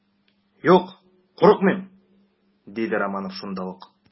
Юк, курыкмыйм, - диде Ромашов шунда ук.